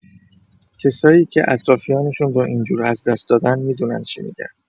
کسایی که اطرافیانشون رو اینجور از دست دادن می‌دونن چی می‌گم.